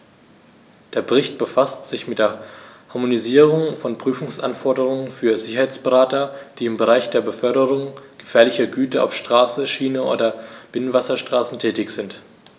Der Bericht befasst sich mit der Harmonisierung von Prüfungsanforderungen für Sicherheitsberater, die im Bereich der Beförderung gefährlicher Güter auf Straße, Schiene oder Binnenwasserstraße tätig sind.